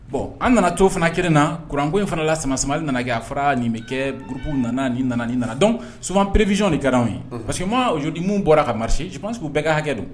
Bon an nana to fana kelen na kuranko in fana la sama samari nana kɛ a fɔra nin bɛ kɛ burup nana ni nana ni nana dɔn sougan preerezyɔn ni garan ye parceri que maj minnu bɔra ka marisi jimasiw' u bɛɛ ka hakɛ don